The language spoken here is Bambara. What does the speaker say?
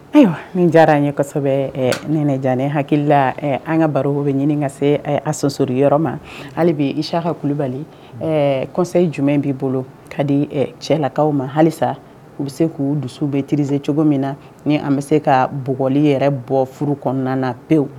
Ayiwa min diyara an yesɛbɛ nɛnɛ ne hakili an ka baro bɛ ɲini ka se a sɔsori yɔrɔ ma hali bi i ska kulubali kɔ jumɛn b'i bolo ka di cɛ lakaw ma halisa u bɛ se k'u dusu bɛtiririz cogo min na ni an bɛ se ka bɔli yɛrɛ bɔ furu kɔnɔna na pewu